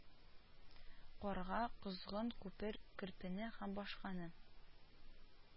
Карга, козгын, күпер, керпене һәм башканы